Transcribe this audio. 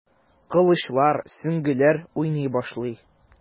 Кылычлар, сөңгеләр уйный башлый.